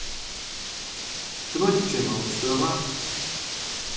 gníggimótstøða